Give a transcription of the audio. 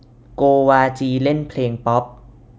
โกวาจีเล่นเพลงป๊อป